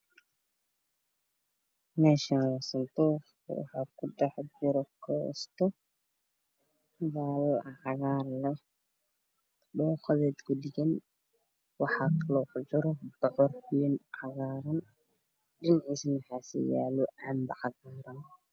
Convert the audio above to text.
Meshaan waa sanduuq waxaa kudhaxjiro koosto Pala cagar leh dhooqadeedku dhagan waxaa kaloo ku jiro pucor ween oo cagaaran dhiniceesna waxaa siyaalo canbo cagaaran